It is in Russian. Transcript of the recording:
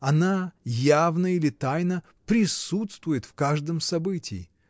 она явно или тайно присутствует в каждом событии.